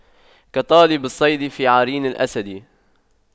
كطالب الصيد في عرين الأسد